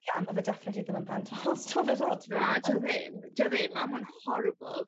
Ia a ma' fe definitely ddim yn pen tost ma' fe lot fwy na pen... Na 'di o ddim. 'Di o ddim a ma'n horrible